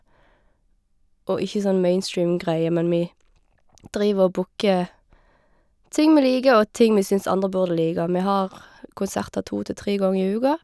Og ikke sånn mainstream-greier, men vi driver og booker ting vi liker og ting vi syns andre burde like, og vi har konserter to til tre ganger i uka.